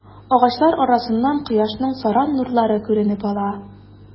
Агачлар арасыннан кояшның саран нурлары күренеп ала.